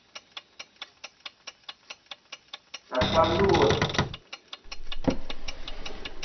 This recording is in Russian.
от поноса